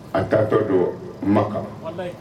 A taatɔ don Maka, wallahi